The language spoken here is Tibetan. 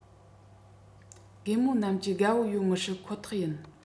རྒད མོ རྣམས ཀྱི དགའ བོ ཡོད མི སྲིད ཁོ ཐག ཡིན